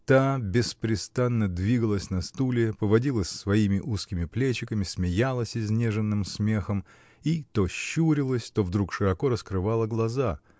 Та беспрестанно двигалась на стуле, поводила своими узкими плечиками, смеялась изнеженным смехом и то щурилась, то вдруг широко раскрывала глаза.